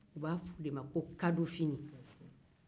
u b'a fɔ o de ma ko kadofini